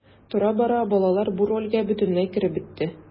Тора-бара балалар бу рольгә бөтенләй кереп бетте.